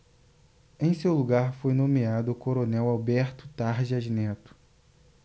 em seu lugar foi nomeado o coronel alberto tarjas neto